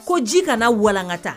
Ko ji kana na walankata